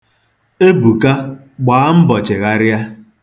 Ebuka, gbaa mbọ chegharịa!